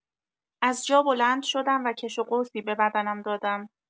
از جا بلند شدم و کش و قوسی به بدنم دادم.